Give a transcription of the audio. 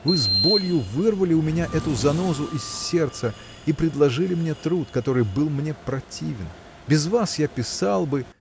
вы с болью вырвали у меня эту занозу из сердца и предложили мне труд который был мне противен. Без вас я писал бы.